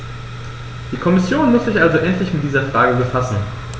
Die Kommission muss sich also endlich mit dieser Frage befassen.